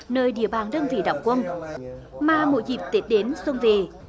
nơi địa bàn đơn vị đóng quân mà mỗi dịp tết đến xuân về